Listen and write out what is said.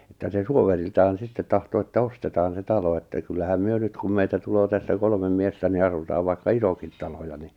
että se suoveriltaan sitten tahtoi että ostetaan se talo että kyllähän me nyt kun meitä tulee tässä kolme miestä niin asutaan vaikka isokin talo niin